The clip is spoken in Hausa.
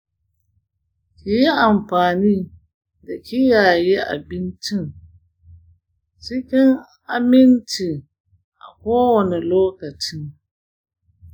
kiyi amfani da kiyaye abincin cikin aminci a kowani lokaci.